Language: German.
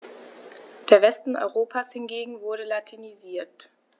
Der Westen Europas hingegen wurde latinisiert.